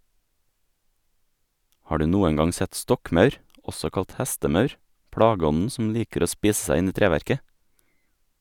Har du noen gang sett stokkmaur, også kalt hestemaur, plageånden som liker å spise seg inn i treverket?